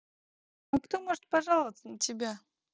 а кто может пожаловаться на тебя